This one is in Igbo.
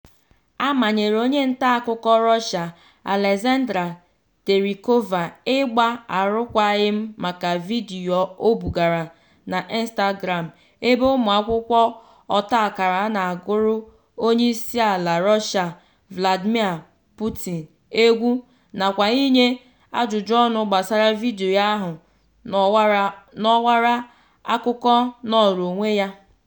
A manyere onye ntaakụkọ Russia Alexandra Terikova ịgba arụkwaghịm maka vidiyo o bugoro na Instagram ebe ụmụakwụkwọ ọta akara na-agụrụ onyeisiala Russia Vladimir Putin egwu nakwa ịnye ajụjụọnụ gbasara vidiyo ahụ n'ọwara akụkọ nọọrọ onwe ya.